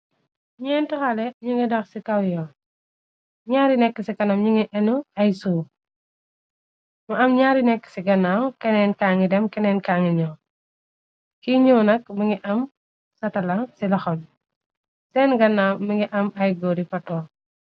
Nyente xale ñu ngi dax ci kaw yoon ñaari nekk ci kanam ñi ngi eno ay sewo mu am ñaari nekk ci gannaaw keneen kaa ngi dem keneen ka ngi ñow ki ñow nak bi ngi am satala ci loxam sen gannaaw mi ngi am ay góori patonke.